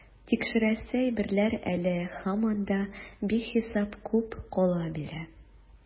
Тикшерәсе әйберләр әле һаман да бихисап күп кала бирә.